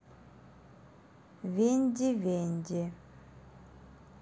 венди венди